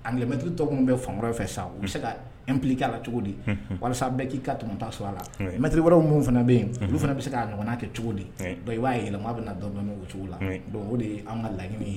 An mɛtiri tɔgɔ min bɛ fan wɛrɛw fɛ san u bɛ se ka npki k' la cogo di walasa bɛɛ k'i ka tɛmɛ taaso a la mɛttiri wɛrɛw minnu fana bɛ yen olu fana bɛ se ka'a ɲɔgɔn kɛ cogo di dɔn i'a ye yɛlɛma maa bɛna na dɔn bɛ min o cogo la don o de ye an ka lag ye